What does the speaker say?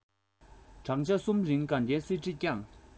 བགྲང བྱ གསུམ རིང དགའ ལྡན གསེར ཁྲི བསྐྱངས